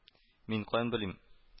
– мин каян белим